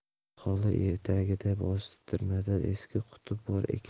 hovli etagidagi bostirmada eski quti bor ekan